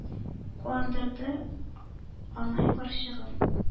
Куандырды анай карчыгын,